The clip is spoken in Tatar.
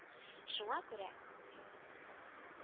Шуңа күрә юк